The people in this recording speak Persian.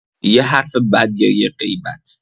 یه حرف بد یا یه غیبت